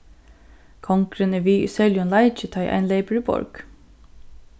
kongurin er við í serligum leiki tá ið ein loypur í borg